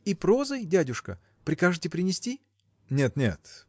– И прозой, дядюшка; прикажете принести? – Нет, нет!.